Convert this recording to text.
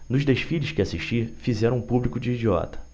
nos desfiles que assisti fizeram o público de idiota